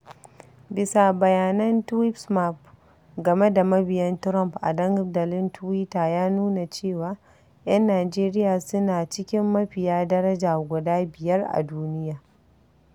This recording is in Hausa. Bisa bayanan Tweepsmap game da mabiyan Trump a dandalin tiwita ya nuna cewa,'yan Najeriya suna cikin mafiya daraja guda biyar a duniya: